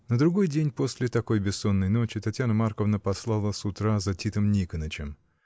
На другой день после такой бессонной ночи Татьяна Марковна послала с утра за Титом Никонычем.